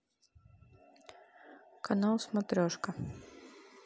канал смотрешка